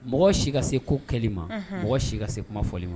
Mɔgɔ si ka se ko kɛlɛli ma mɔgɔ si ka se kuma fɔli ma